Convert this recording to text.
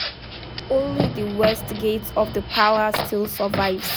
Only the west gate of the palace still survives.